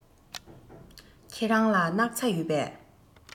ཁྱེད རང ལ སྣག ཚ ཡོད པས